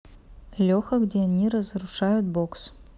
леха где они разрушают бокс